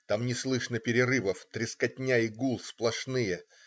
Там не слышно перерывов - трескотня и гул сплошные.